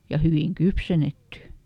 ja hyvin kypsennetty